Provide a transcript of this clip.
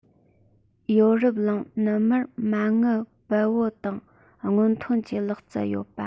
ཡོ རིབ གླིང ནུབ མར མ དངུལ འབེལ པོ དང སྔོན ཐོན གྱི ལག རྩལ ཡོད པ